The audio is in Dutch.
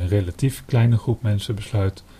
relatief kleine groep mensen besluit